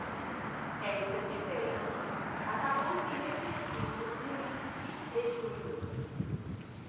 esta diferença acabou se refletindo no índice de julho